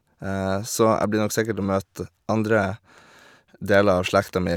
Så jeg blir nok sikkert å møte andre deler av slekta mi.